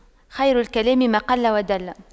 خير الكلام ما قل ودل